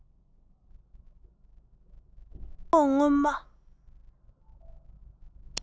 ཞོག ཁོག བརྔོས མ